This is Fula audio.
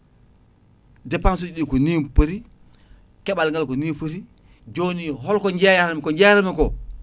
dépense suji ɗi koni pooti keeɓal ngal koni foti joni holko jeeyatmi ko jeeyatmi ko